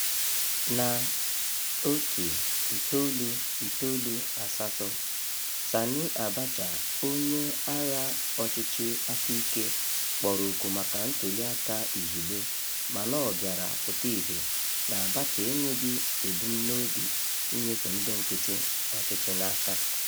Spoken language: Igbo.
Na 1998, Sani Abacha, onye agha ọchịchị aka ike, kpọrọ oku maka ntụliaka izugbe mana ọ bịara pụta ìhè na Abacha enweghị ebumnobi inyefe ndị nkịtị ọchịchị n'aka.